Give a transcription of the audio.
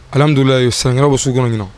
Alidula san bɛ su kɔnɔ ɲɛna